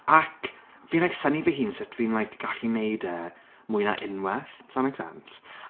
Ac fi'n like synnu fy hun sut fi'n like, gallu neud e, mwy na unwaith. Does that make sense?